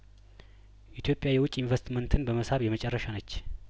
ኢትዮጵያ የውጭ ኢንቨስትመንትን በመሳብ የመጨረሻ ነች